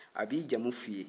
a b'i jamu f'i ye